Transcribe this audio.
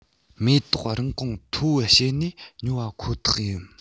མེ ཏོག རིན གོང མཐོ བོ བྱེད ནས ཉོ བ ཁོ ཐག ཡིན